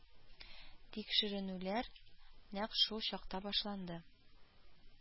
Тикшерүләр нәкъ шул чакта башланды